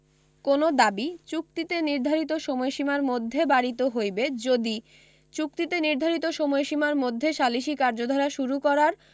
কোন দাবী চুক্তিতে নির্ধারিত সময়সীমার মধ্যে বারিত হইবে যদি চুক্তিতে নির্ধারিত সময়সীমার মধ্যে সালিসী কার্যধারা শুরু করার